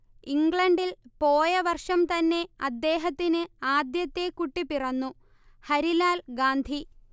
ഇംഗ്ലണ്ടിൽ പോയ വർഷം തന്നെ അദ്ദേഹത്തിന് ആദ്യത്തെ കുട്ടി പിറന്നു ഹരിലാൽ ഗാന്ധി